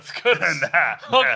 Wrth gwrs, na.